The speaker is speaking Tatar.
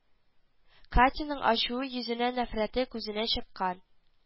Катяның ачуы йөзенә нәфрәте күзенә чыккан